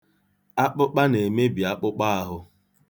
Akpụkpa na-emebi akpụkpọ ahụ.